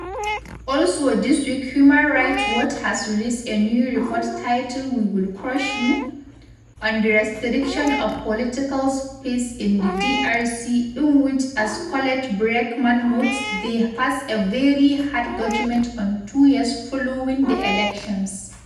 Also this week Human Rights Watch has released a new report titled “We will crush you“, on the restriction of political space in the DRC in which as Colette Braeckman notes “they pass a very hard judgement on the two years following the elections”.